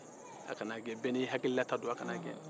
aw kan'a gɛn bɛɛ ni hakilinata don